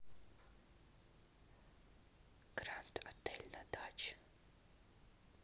гранд отель на даче